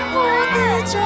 xin